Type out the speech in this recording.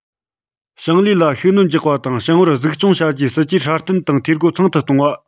ཞིང ལས ལ ཤུགས སྣོན རྒྱག པ དང ཞིང པར གཟིགས སྐྱོང བྱ རྒྱུའི སྲིད ཇུས སྲ བརྟན དང འཐུས སྒོ ཚང དུ གཏོང བ